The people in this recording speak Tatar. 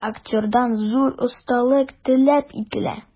Актердан зур осталык таләп ителә.